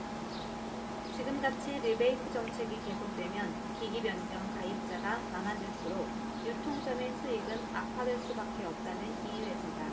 지금같은 리베이트 정책이 계속되면 기기변경 가입자가 많아질수록 유통점의 수익은 악화될 수밖에 없다는 이유에서다